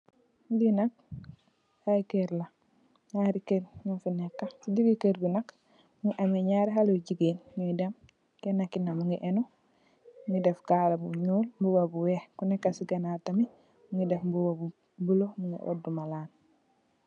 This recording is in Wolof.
Lee nak aye kerr la nyari kerr nufe neka se dege kerr be nak muge am nyari haleh ye jegain nuy dem kenake nak muge eno muge def kala bu nuul muba bu weex kuneka se ganaw tamin muge def muba bu bulo muge odu malan.